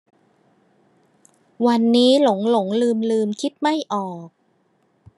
วันนี้หลงหลงลืมลืมคิดไม่ออก